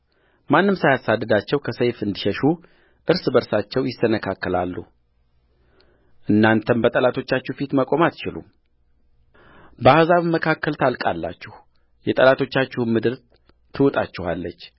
ማንም ሳያሳድዳቸው ከሰይፍ እንዲሸሹ እርስ በርሳቸው ይሰነካከላሉ እናንተም በጠላቶቻችሁ ፊት መቆም አትችሉምበአሕዛብም መካከል ታልቃላችሁ የጠላቶቻችሁም ምድር ትውጣችኋለች